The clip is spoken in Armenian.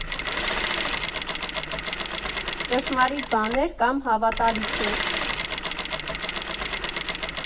Ճշմարիտ բաներ կամ հավատալիքներ.